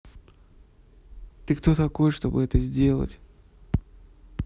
ты кто такой чтобы это сделать